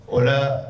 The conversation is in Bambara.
O